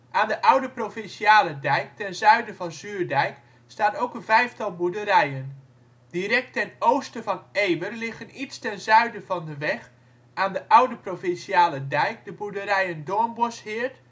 Aan de oude Provinciale Dijk ten zuiden van Zuurdijk staan ook een vijftal boerderijen. Direct ten oosten van Ewer liggen iets ten zuiden van de weg aan de oude Provinciale Dijk de boerderijen Doornbosheerd